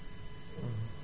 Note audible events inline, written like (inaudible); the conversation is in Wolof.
(hesitation) (hesitation)